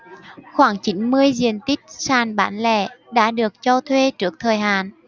khoảng chín mươi diện tích sàn bán lẻ đã được cho thuê trước thời hạn